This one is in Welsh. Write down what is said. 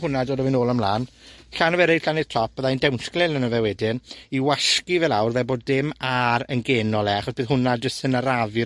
hwna a dod â fe nôl a mlan. Llanw fe reit lan i'r top. Byddai'n dawmsgil ano fe wedyn, i wasgu fe lawr fel bod dim a'r yn genol e, achos bydd hwnna jys yn arafu'r